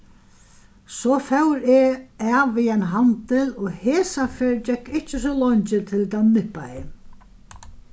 so fór eg av við ein handil og hesaferð gekk ikki so leingi til tað nippaði